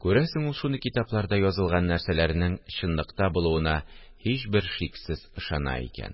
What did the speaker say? Күрәсең, ул шундый китапларда язылган нәрсәләрнең чынлыкта булуына һичбер шиксез ышана икән